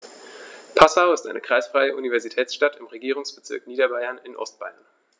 Passau ist eine kreisfreie Universitätsstadt im Regierungsbezirk Niederbayern in Ostbayern.